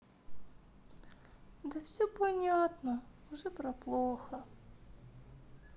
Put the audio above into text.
да все понятно уже про плохо